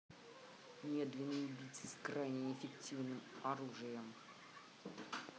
медленный убийца с крайне неэффективным оружием